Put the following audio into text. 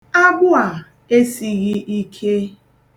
Agbụ a, esighi ike.